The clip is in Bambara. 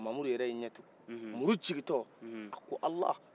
mamudu yɛrɛ y'i ɲɛtugun muuru jiguin tɔ a ko ala